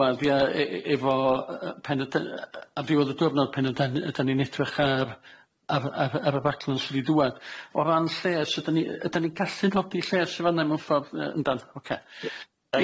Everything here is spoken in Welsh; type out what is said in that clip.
ia e- e- efo y y pen y dy- yy ar ddiwedd y diwrnod pam ydan- ydan ni'n edrych ar ar ar ar y sy' 'di dŵad o ran lles ydan ni yy ydan ni'n gallu nodi lles yn fan'na mewn ffordd yy yndan ocê. Iawn.